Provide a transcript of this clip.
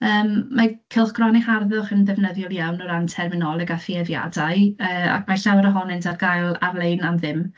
Yym, mae cylchgronau harddwch yn ddefnyddiol iawn o ran terminoleg a thueddiadau, yy, ac mae llawer ohonynt ar gael ar-lein am ddim.